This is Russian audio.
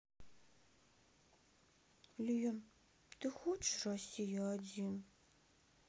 лен ты че хочешь россия один